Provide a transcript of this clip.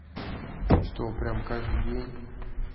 что прям каждый день